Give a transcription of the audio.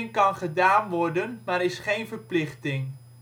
kan gedaan worden maar is geen verplichting